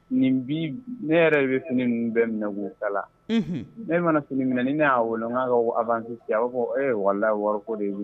Nin bi ne yɛrɛ e bɛ fini ninnu bɛ minɛ'kala ne mana fini minɛ ni ne y'a wolo n' ka awan kisisi a b'a fɔ e wa wɔɔrɔ ko de ye